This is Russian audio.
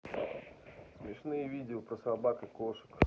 смешные видео про собак и кошек